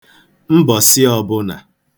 mbọ̀sị ọ̄bụ̄nà